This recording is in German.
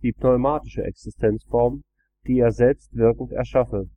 pneumatische Existenzform, die er selbst wirkend erschaffe